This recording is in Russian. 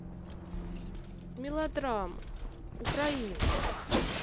мелодрамы украина